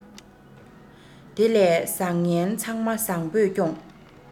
དེ ལས བཟང ངན ཚང མ བཟང པོས སྐྱོངས